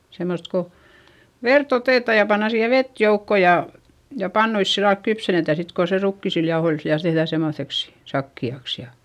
semmoista kun verta otetaan ja pannaan siihen vettä joukkoon ja ja pannuissa sillä lailla kypsennetään sitten kun se rukiisilla jauhoilla vielä tehdään semmoiseksi sakeaksi ja